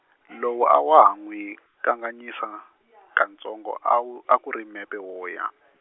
lowu a wa ha n'wi, kanganyisa , kantsongo a wu a ku ri mepe wo ya .